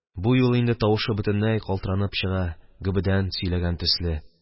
Бу юлы инде тавышы бөтенләй калтыранып чыга, гөбедән сөйләгән төсле: